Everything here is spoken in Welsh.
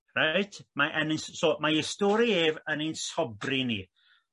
reit mae en- so mae ei stori ef yn ein sobri ni